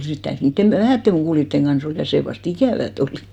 sitten täytyi niiden - vähien mukuloiden kanssa olla ja se vasta ikävää oli